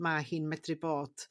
ma' hi'n medru bod